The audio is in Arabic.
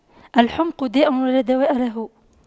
الحُمْقُ داء ولا دواء له